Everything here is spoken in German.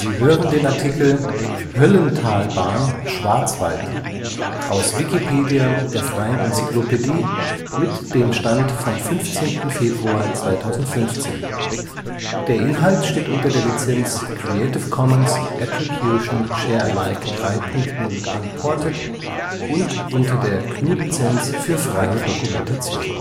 hören den Artikel Höllentalbahn (Schwarzwald), aus Wikipedia, der freien Enzyklopädie. Mit dem Stand vom Der Inhalt steht unter der Lizenz Creative Commons Attribution Share Alike 3 Punkt 0 Unported und unter der GNU Lizenz für freie Dokumentation